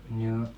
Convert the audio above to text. joo